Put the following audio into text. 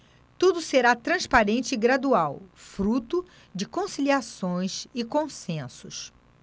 tudo será transparente e gradual fruto de conciliações e consensos